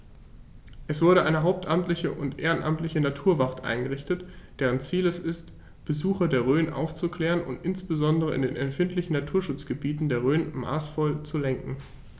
Es wurde eine hauptamtliche und ehrenamtliche Naturwacht eingerichtet, deren Ziel es ist, Besucher der Rhön aufzuklären und insbesondere in den empfindlichen Naturschutzgebieten der Rhön maßvoll zu lenken.